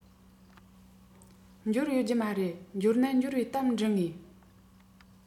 འབྱོར ཡོད ཀྱི མ རེད འབྱོར ན འབྱོར བའི གཏམ འབྲི ངེས